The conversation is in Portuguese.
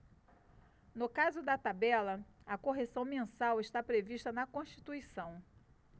no caso da tabela a correção mensal está prevista na constituição